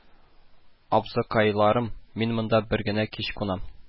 – абзыкайларым, мин монда бер генә кич кунам